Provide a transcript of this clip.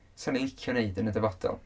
'sen ni'n licio wneud yn y dyfodol.